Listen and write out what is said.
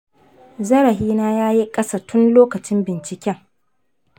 zarafina yayi ƙasa tun lokacin binciken.